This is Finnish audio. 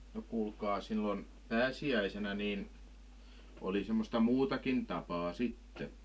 no kuulkaa silloin pääsiäisenä niin oli semmoista muutakin tapaa sitten